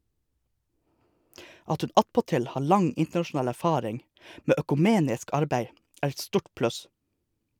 At hun attpåtil har lang internasjonal erfaring med økumenisk arbeid er et stort pluss.